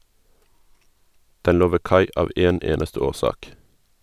Den lå ved kai av en eneste årsak.